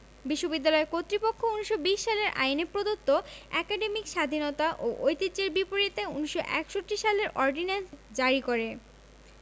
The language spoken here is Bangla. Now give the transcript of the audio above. বিশ্ববিদ্যালয় কর্তৃপক্ষ ১৯২০ সালের আইনে প্রদত্ত একাডেমিক স্বাধীনতা ও ঐতিহ্যের বিপরীতে ১৯৬১ সালের অর্ডিন্যান্স জারি করে